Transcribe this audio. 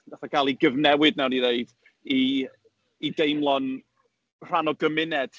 Wnaeth o gael ei gyfnewid, wnawn ni ddeud, i i deimlo'n rhan o gymuned.